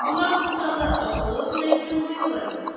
Дурак булсаң да, акыллы сүз әйттең бу юлы!